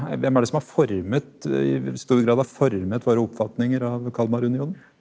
hvem er det som har formet i stor grad har formet våre oppfatninger av Kalmarunionen?